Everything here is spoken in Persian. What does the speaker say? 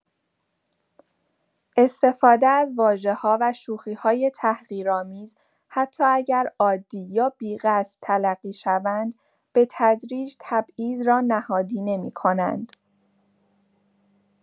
استفاده از واژه‌ها و شوخی‌های تحقیرآمیز، حتی اگر «عادی» یا «بی‌قصد» تلقی شوند، به‌تدریج تبعیض را نهادینه می‌کنند.